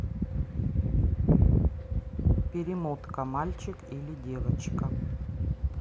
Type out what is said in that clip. перемотка мальчик или девочка